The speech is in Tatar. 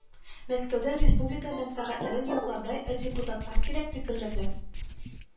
Мәскәүдә республика мәнфәгатьләрен яклардай депутатлар кирәк , дип белдерде